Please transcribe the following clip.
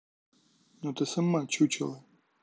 но ты сама чучело